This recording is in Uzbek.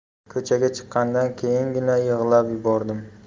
ko'chaga chiqqandan keyingina yig'lab yubordim